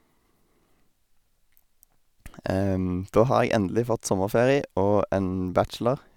Da har jeg endelig fått sommerferie, og en bachelor.